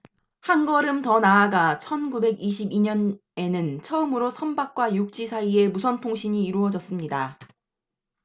한 걸음 더 나아가 천 구백 이십 이 년에는 처음으로 선박과 육지 사이에 무선 통신이 이루어졌습니다